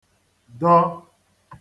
dọ